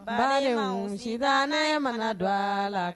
Balemaw sitanɛɛ mana do aa la